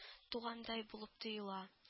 Тугандай булып тоела